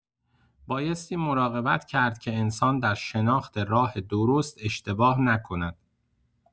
بایستی مراقبت کرد که انسان در شناخت راه درست اشتباه نکند؛